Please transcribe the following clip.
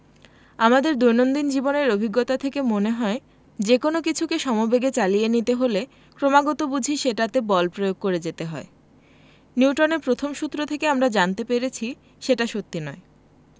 আমাদের দৈনন্দিন জীবনের অভিজ্ঞতা থেকে মনে হয় যেকোনো কিছুকে সমবেগে চালিয়ে নিতে হলে ক্রমাগত বুঝি সেটাতে বল প্রয়োগ করে যেতে হয় নিউটনের প্রথম সূত্র থেকে আমরা জানতে পেরেছি সেটা সত্যি নয়